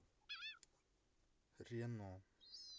рено